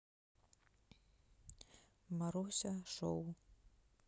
маруся шоу